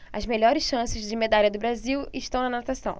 as melhores chances de medalha do brasil estão na natação